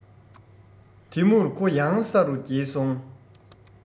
དེ མུར ཁོ ཡང ས རུ འགྱེལ སོང